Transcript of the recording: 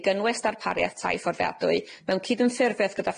i gynnwys darpariaeth tai fforddiadwy mewn cydymffurfiaeth gyda